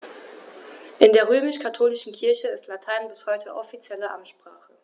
In der römisch-katholischen Kirche ist Latein bis heute offizielle Amtssprache.